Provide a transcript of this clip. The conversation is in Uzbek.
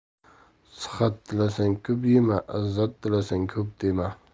sihat tilasang ko'p yema izzat tilasang ko'p dema